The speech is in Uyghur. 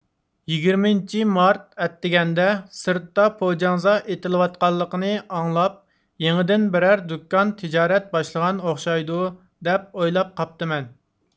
يىگىرمىنچى مارت ئەتىگەندە سىرتتا پوجاڭزا ئېتىۋاتقىنىنى ئاڭلاپ يېڭىدىن بىرەر دۇكان تىجارەت باشلىغان ئوخشايدۇ دەپ ئويلاپ قاپتىمەن